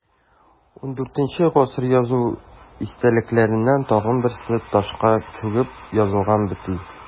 ХIV гасыр язу истәлекләреннән тагын берсе – ташка чүкеп язылган бөти.